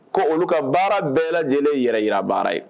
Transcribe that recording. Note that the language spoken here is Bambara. Ko olu ka baara bɛɛ lajɛlen yɛrɛ yira baara ye